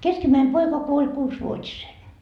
keskimmäinen poika kuoli kuusivuotisena